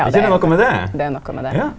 er ikkje det noko med det ja?